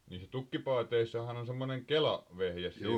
niissä tukkipaateissahan on semmoinen - kelavehje siinä